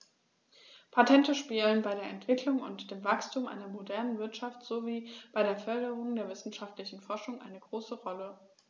Patente spielen bei der Entwicklung und dem Wachstum einer modernen Wirtschaft sowie bei der Förderung der wissenschaftlichen Forschung eine große Rolle.